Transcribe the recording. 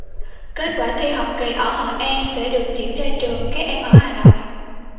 kết quả thi học kỳ ở hội an sẽ được chuyển ra trường các em ở hà nội